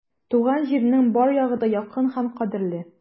Туган җирнең бар ягы да якын һәм кадерле.